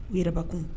U yɛrɛbakun